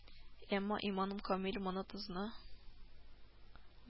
Әмма иманым камил, моны тозны